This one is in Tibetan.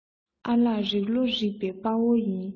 ཨ ལག རིག ལོ རིག པའི དཔའ བོ ཡིན